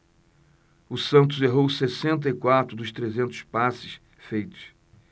o santos errou sessenta e quatro dos trezentos passes feitos